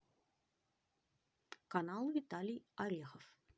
канал виталий орехов